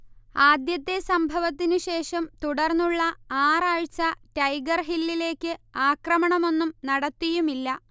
ആദ്യത്തെ സംഭവത്തിനു ശേഷം തുടർന്നുള്ള ആറ് ആഴ്ച ടൈഗർ ഹില്ലിലേക്ക് ആക്രമണം ഒന്നും നടത്തിയുമില്ല